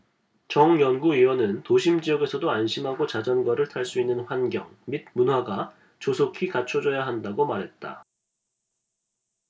정 연구위원은 도심지역에서도 안심하고 자전거를 탈 수 있는 환경 및 문화가 조속히 갖춰줘야 한다라고 말했다